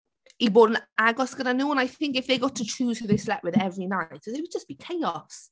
i bod yn agos gyda nhw and I think if they got to choose who they slept with every night, it would just be chaos.